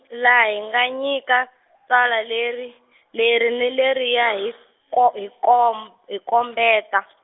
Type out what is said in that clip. laha hi nga nyika , tsalwa leri , leri ni leriya hi ko- hi kom- hi kombeta.